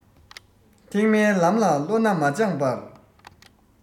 ཐེག དམན ལམ ལ བློ སྣ མ སྦྱངས པར